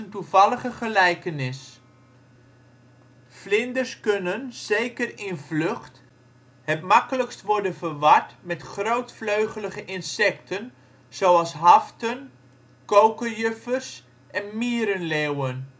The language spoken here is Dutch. toevallige gelijkenis. Vlinders kunnen, zeker in vlucht, het makkelijkst worden verward met grootvleugelige insecten zoals haften, kokerjuffers en mierenleeuwen